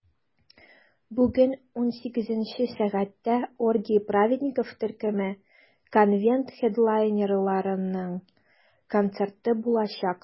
Бүген 18 сәгатьтә "Оргии праведников" төркеме - конвент хедлайнерларының концерты булачак.